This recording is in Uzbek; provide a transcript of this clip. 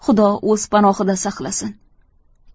xudo o'z panohida saqlasin